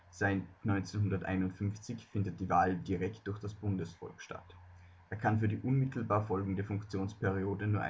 Seit 1951 findet die Wahl direkt durch das Bundesvolk statt. Er kann für die unmittelbar folgende Funktionsperiode